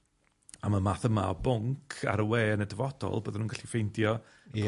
am y math yma o bwnc ar y we yn y dyfodol, bydden nhw'n gallu ffeindio... Ie.